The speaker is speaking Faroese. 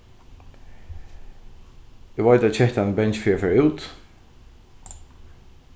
eg veit at kettan er bangin fyri at fara út